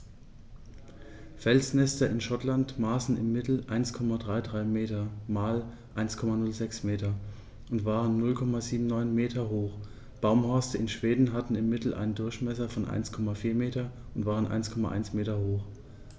Felsnester in Schottland maßen im Mittel 1,33 m x 1,06 m und waren 0,79 m hoch, Baumhorste in Schweden hatten im Mittel einen Durchmesser von 1,4 m und waren 1,1 m hoch.